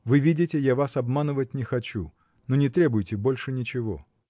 Вы видите, я вас обманывать не хочу, но не требуйте больше ничего.